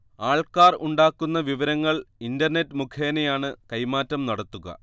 ആൾക്കാർ ഉണ്ടാക്കുന്ന വിവരങ്ങൾ ഇന്റർനെറ്റ് മുഖേനയാണ് കൈമാറ്റം നടത്തുക